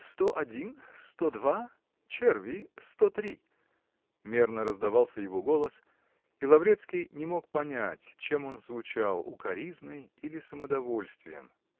"Сто один, сто два, черви, сто три", -- мерно раздавался его голос, и Лаврецкий не мог понять, чем он звучал: укоризной или самодовольствием.